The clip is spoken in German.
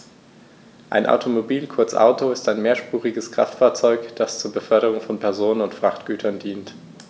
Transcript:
Ein Automobil, kurz Auto, ist ein mehrspuriges Kraftfahrzeug, das zur Beförderung von Personen und Frachtgütern dient.